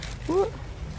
ww